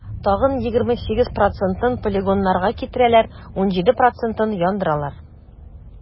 Тагын 28 процентын полигоннарга китерәләр, 17 процентын - яндыралар.